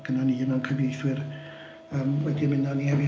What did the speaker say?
Gennyn ni un o'n cyfieithwyr yym wedi ymuno â ni heddiw.